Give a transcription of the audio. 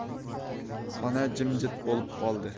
xona jimjit bo'lib qoldi